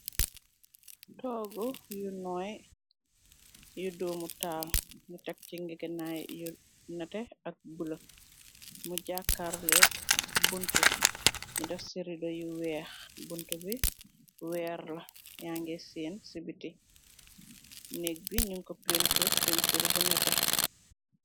toogu yu nooy yu doumu taal ni tag ci ngegenaay yu nete ak bulë mu jàakaarleeg buntu ni daf ci rido yu weex buntu bi weer la yange seen ci biti nég bi ñun ko pintur pintur bu nete.